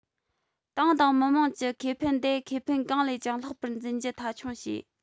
ཏང དང མི དམངས ཀྱི ཁེ ཕན དེ ཁེ ཕན གང ལས ཀྱང ལྷག པར འཛིན རྒྱུ མཐའ འཁྱོངས བྱས